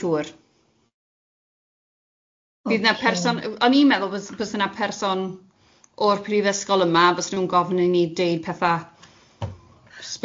Fydd 'na person, o'n i'n meddwl bysa, bysa 'na person, o'r prifysgol yma, fysan nhw'n gofyn i ni deud petha', specific...